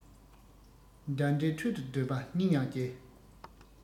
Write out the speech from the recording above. འདྲ འདྲའི ཁྲོད དུ སྡོད པ སྙིང ཡང རྗེ